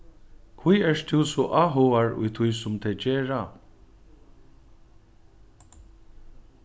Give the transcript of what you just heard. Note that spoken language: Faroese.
hví ert tú so áhugaður í tí sum tey gera